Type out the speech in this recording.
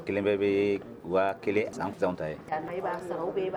Kelen bɛɛ bɛ waa kelen sanfi ta ye